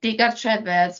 Digartrefedd